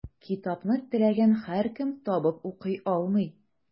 Китапны теләгән һәркем табып укый алмый.